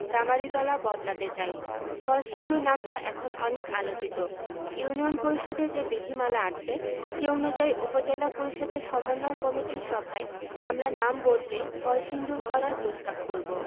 গামারিতলা বদলাতে চাই কলসিন্দুর নামটা এখন অনেক আলোচিত ইউনিয়ন পরিষদের যে বিধিমালা আছে সে অনুযায়ী উপজেলা পরিষদের সমন্বয় কমিটির সভায় আমরা নাম বদলে কলসিন্দুর করার প্রস্তাব করব